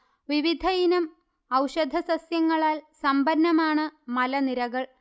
വിവിധയിനം ഔഷധ സസ്യങ്ങളാൽ സമ്പന്നമാണ് മലനിരകൾ